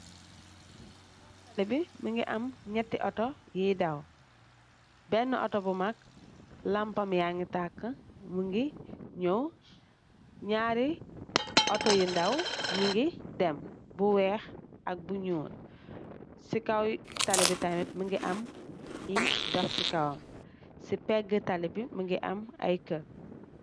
Tali bi mugii am ñetti Otto yu ndaw, benna Otto bu mak lampam ya ngi taka mugii ñaw. Ñaari Otto yu ndaw ñi ñgi dem bu wèèx ak bu ñuul. Ci kaw tali tamid mu ngi am kuy dox ci kawam ci pegga talli bi mugii am ay kër.